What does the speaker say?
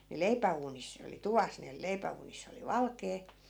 niin leipäuunissa ne oli tuvassa ne leipäuunissa oli valkea